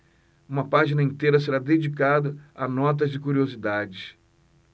uma página inteira será dedicada a notas e curiosidades